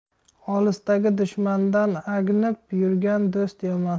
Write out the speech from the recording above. olisdagi dushmandan angnib yurgan do'st yomon